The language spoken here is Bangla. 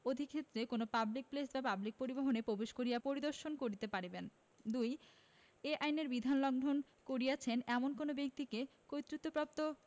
অধিক্ষেত্রে কোন পাবলিক প্লেস ও পাবলিক পরিবহণে প্রবেশ করিয়া পরিদর্শন করিতে পারিবেন ২ এই আইনের বিধান লংঘন করিয়অছেন এমন কোন ব্যক্তিকে কর্তৃত্বপ্রাপ্ত